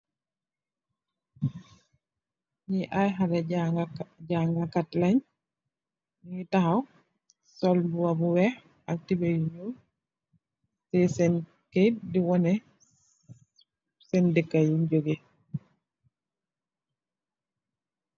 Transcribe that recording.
Ñi ay xaleh janga kat lèèn ñu ngi taxaw sol mbuba bu wèèx ak tubay bu ñuul teyeh sèèn kayit di waneh dekka yun jogeh.